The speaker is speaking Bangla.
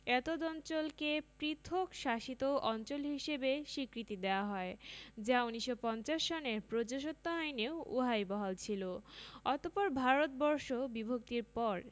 এতদ অঞ্চলকে পৃথক শাসিত অঞ্চল হিসেবে স্বীকৃতি দেয়া হয় যা ১৯৫০ সনের প্রজাস্বত্ব আইনেও উহাই বহাল ছিল অতপর ভারতবর্ষ বিভক্তির পরে